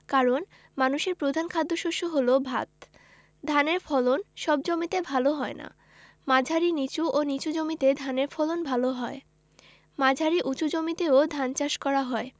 কারন মানুষের প্রধান খাদ্যশস্য হলো ভাত ধানের ফলন সব জমিতে ভালো হয় না মাঝারি নিচু ও নিচু জমিতে ধানের ফলন ভালো হয় মাঝারি উচু জমিতেও ধান চাষ করা হয়